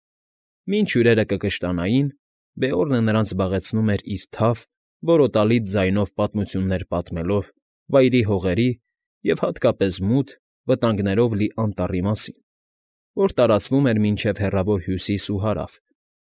Մինչ հյուրերը կկշտանային, Բեորնը նրանց զբաղեցնում էր՝ իր թավ, որոտալից ձայնով պատմություններ պատմելով վայրի հողերի և հատկապես մութ, վտանգներով լի անտառի մասին, որ տարածվում էր մինչև հեռավոր Հյուսիս ու Հարավ և։